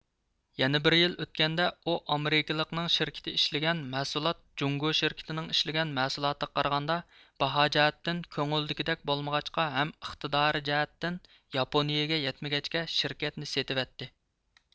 يەنە بىر يىل ئۆتكەندە ئۇ ئامېرىكىلىقنىڭ شىركىتى ئىشلىگەن مەھسۇلات جۇڭگو شىركىتىنىڭ ئىشلىگەن مەھسۇلاتىغا قارىغاندا باھا جەھەتتىن كۆڭۈلدىكىدەك بولمىغاچقا ھەم ئىقتىدارى جەھەتتىن ياپونىيىگە يەتمىگەچكە شىركەتنى سېتىۋەتتى